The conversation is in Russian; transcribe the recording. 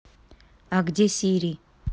а где сири